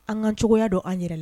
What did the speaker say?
An ka cogoyaya don an yɛrɛ la